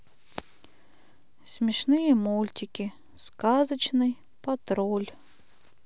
смешные мультики сказочный патруль